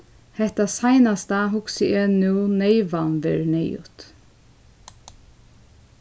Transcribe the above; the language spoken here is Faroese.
hetta seinasta hugsi eg nú neyvan verður neyðugt